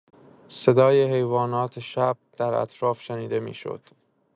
صدای حیوانات شب در اطراف شنیده می‌شد.